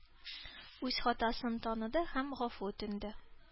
Үз хатасын таныды һәм гафу үтенде.